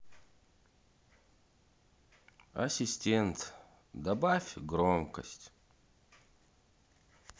ассистент добавь громкость